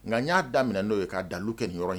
Nka n y'a da daminɛmin n'o ye k'a dalu kɛyɔrɔ ye